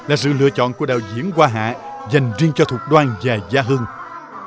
là sự lựa chọn của đạo diễn hoa hạ dành riêng cho thục đoan và gia hưng